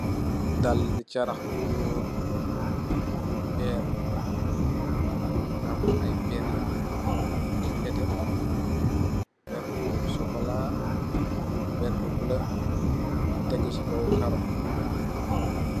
Dalle charah bu nuul perr am aye per yu neteh per bu sukola perr bu bulo tegu se kaw karou.